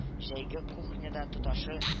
Җәйге кухня да тоташы